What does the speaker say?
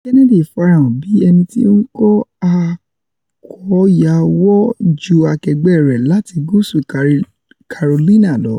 Kennedy farahàn bí ẹnití ó ńkó àkóyawọ́ ju akẹgbẹ́ rẹ̀ lati Gúúsù Carolina lọ.